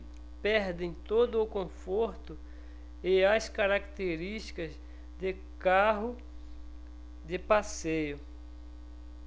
perdem todo o conforto e as características de carro de passeio